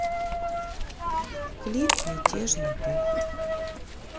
клип мятежный дух